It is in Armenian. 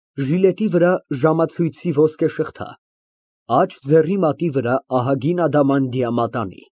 Ժիլետի վրա ժամացույցի ոսկե շղթա, աջ ձեռքի մատի վրա ահագին ադամանդյա մատանի)։